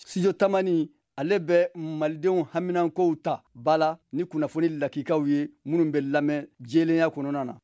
studio tamani ale bɛ malidenw haminankow ta ba la ni kunnafoni lakikaw ye minnu bɛ lamɛn jɛlenya kɔnɔna na